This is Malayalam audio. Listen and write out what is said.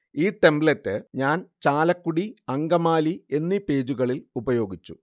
ഈ ടെമ്പ്ലേറ്റ് ഞാൻ ചാലക്കുടി അങ്കമാലി എന്നീ പേജുകളിൽ ഉപയോഗിച്ചു